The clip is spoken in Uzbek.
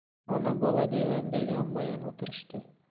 ona bola divanga yonma yon o'tirishdi